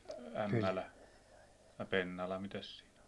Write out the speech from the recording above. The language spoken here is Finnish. Ämmälä ja Pennala mitäs siinä on